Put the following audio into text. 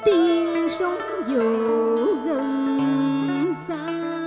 tiên sóng vỗ gần xa